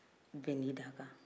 bɛɛ n'i dakan